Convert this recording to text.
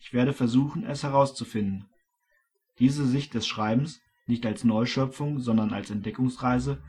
werde versuchen es herauszufinden. « Diese Sicht des Schreibens nicht als Neuschöpfung, sondern als Entdeckungsreise